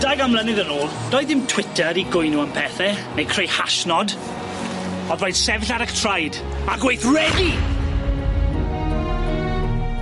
Dau gan mlynedd yn ôl doedd dim Twitter i gwyno am pethe, neu creu hashnod, o'dd raid sefyll ar 'ych traed, a gweithredu!